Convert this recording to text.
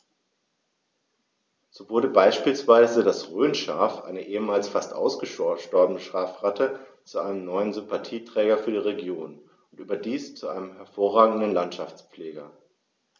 So wurde beispielsweise das Rhönschaf, eine ehemals fast ausgestorbene Schafrasse, zu einem neuen Sympathieträger für die Region – und überdies zu einem hervorragenden Landschaftspfleger.